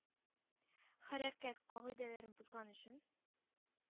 Хәрәкәт кагыйдәләрен бозган өчен